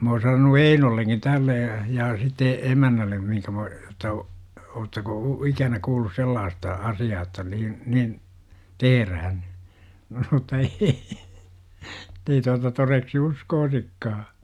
minä olen sanonut Einollekin tällä lailla ja sitten emännälle - jotta odottaako - ikänä kuullut sellaista asiaa jotta niin niin tehdään ne on sanonut että ---- että ei tuota todeksi uskoisikaan